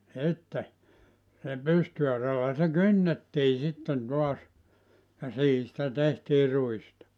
sitten sillä pystyauralla se kynnettiin sitten taas ja siihen sitä tehtiin ruista